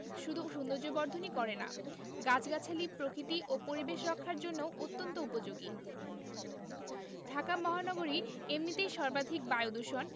শুধু সৌন্দর্যবর্ধনই করে না গাছগাছালি প্রকৃতি ও পরিবেশ রক্ষার জন্যও অত্যন্ত উপযোগী ঢাকা মহানগরী এমনিতেই সর্বাধিক বায়ুদূষণ